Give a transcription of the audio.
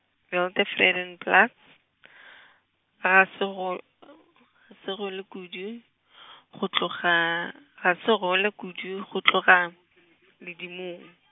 Wildevredenplaats , ga se kgo- , ga se kgole kudu , go tloga, ga se kgole kudu go tloga , Ledimong.